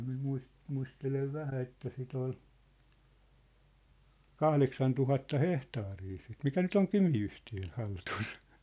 minä - muistelen vähän että sitä oli kahdeksan tuhatta hehtaaria sitä mikä nyt on Kymi-yhtiön hallussa